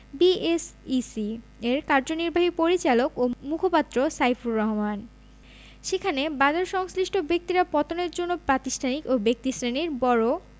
BSEC এর নির্বাহী পরিচালক ও মুখপাত্র সাইফুর রহমান সেখানে বাজারসংশ্লিষ্ট ব্যক্তিরা পতনের জন্য প্রাতিষ্ঠানিক ও ব্যক্তিশ্রেণির বড়